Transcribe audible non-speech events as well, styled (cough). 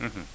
(hesitation) (hesitation)